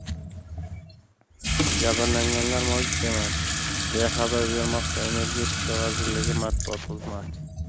jabrlanganlar mavjud emas deya xabar bermoqda energetika vazirligi matbuot xizmati